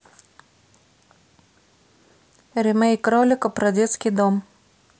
римейк ролика про детский дом